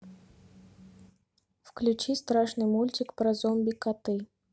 включи страшный мультик про зомби коты